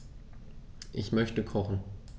Ich möchte kochen.